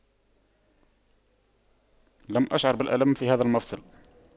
لم أشعر بالألم في هذا المفصل